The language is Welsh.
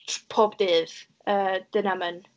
t- pob dydd, yy, 'di hynna'm yn...